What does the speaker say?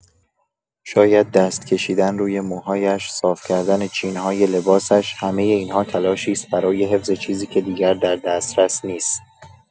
شاید دست کشیدن روی موهایش، صاف کردن چین‌های لباسش، همۀ این‌ها تلاشی است برای حفظ چیزی که دیگر در دسترس نیست.